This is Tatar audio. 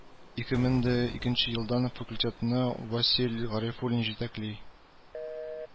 Ике мең дә икенче елдан факультетны васил гарифуллин җитәкли